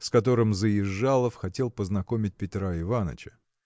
с которым Заезжалов хотел познакомить Петра Иваныча.